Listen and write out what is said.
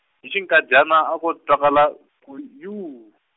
hi xinkadyana a ko twakala, ku yuu.